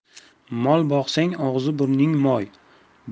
mol boqsang og'zi burning moy